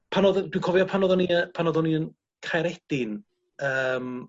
...pan o'dd y... dwi'n cofio pan oddon ni yy pan oddon ni yn Caeredin yym